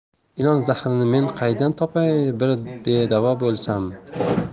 ilon zahrini men qaydan topay bir bedavo bo'lsam